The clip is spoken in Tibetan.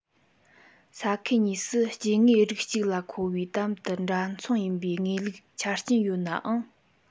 ས ཁུལ གཉིས སུ སྐྱེ དངོས རིགས གཅིག ལ མཁོ བའི དམ དུ འདྲ མཚུངས ཡིན པའི དངོས ལུགས ཆ རྐྱེན ཡོད ནའང